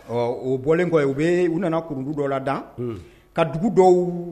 Ɔ o bɔlen kɔ yen , u nana kurukun dɔ la da ka dugu dɔw